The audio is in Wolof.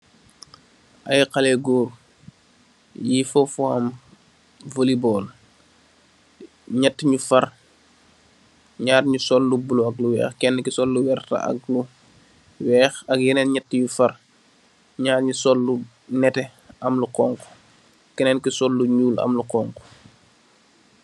Aye khale yu goor, yi foh foham, volleyball, nyat nyu far, nyaar nyu sol lu buleuh ak lu weekh, ken ki sol lu werta ak buleuh, weekh, ak yaneen nyat yu far, nyaar nyi sol nete am lu khonkhu, keneen ki sol lu nyuul am lu khonkhu.